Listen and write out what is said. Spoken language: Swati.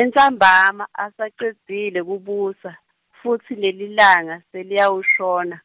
Entsambama asacedzile kubusa, futsi nelilanga seliyawashona ,